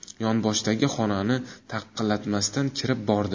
yonboshdagi xonani taqillatmasdan kirib bordi